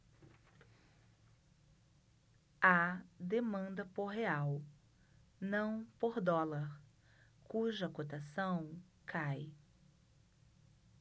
há demanda por real não por dólar cuja cotação cai